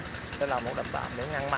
là một đập tạm ngăn mặn